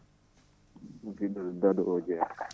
musidɗo Dado *